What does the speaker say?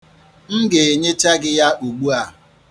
M ga-enyecha gị ya ugbua.